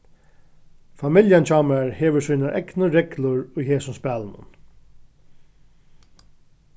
familjan hjá mær hevur sínar egnu reglur í hesum spælinum